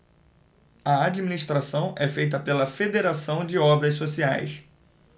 a administração é feita pela fos federação de obras sociais